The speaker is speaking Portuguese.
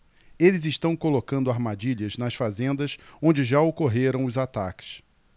eles estão colocando armadilhas nas fazendas onde já ocorreram os ataques